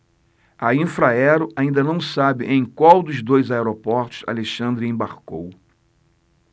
a infraero ainda não sabe em qual dos dois aeroportos alexandre embarcou